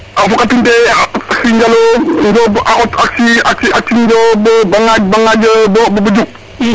a fokatin te Sinjalo Njob a xot axe Njob Bangaj Bangaj bo juk